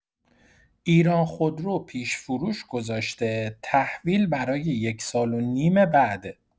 ایران‌خودرو پیش‌فروش گذاشته تحویل برای یک سال و نیم بعده.